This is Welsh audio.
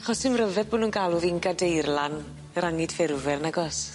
Achos dim ryfed bo' nw'n galw ddi'n gadeirlan yr angydffurfwyr nagos?